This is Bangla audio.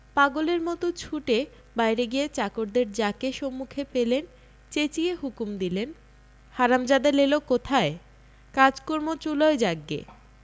পাগলের মত ছুটে বাহিরে গিয়ে চাকরদের যাকে সুমুখে পেলেন চেঁচিয়ে হুকুম দিলেন হারামজাদা লেলো কোথায় কাজকর্ম চুলোয় যাক গে